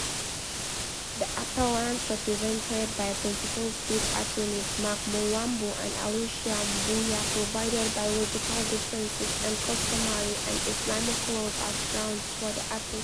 The appellant, represented by principal state attorneys, Mark Mulwambo and Alesia Mbuya, provided biological differences and customary and Islamic laws as grounds for the appeal.